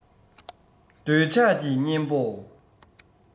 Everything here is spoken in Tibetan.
འདོད ཆགས ཀྱི གཉེན པོ